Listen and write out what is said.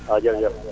waaw jërëjëf